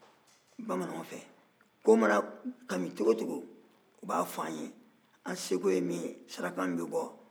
ko mana kami cogo wo cogo u b'a f'an ye an seko ye min ye saraka min bɛ bɔ an b'o f'u ye